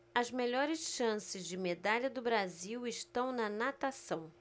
as melhores chances de medalha do brasil estão na natação